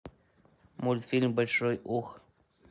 мультфильм большой ух